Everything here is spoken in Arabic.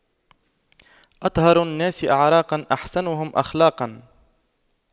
أطهر الناس أعراقاً أحسنهم أخلاقاً